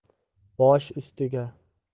bosh ustiga